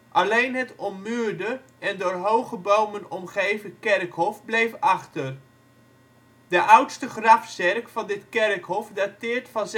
Alleen het ommuurde en door hoge bomen omgeven kerkhof bleef achter. De oudste grafzerk van dit kerkhof dateert van